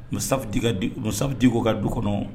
Musataf Dikɔ ka du kɔnɔ